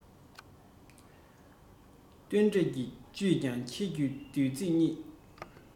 སྟོན འབྲས ཀྱི བཅུད ཀྱང ཁྱེད ཀྱི དུས ཚིགས ཉིད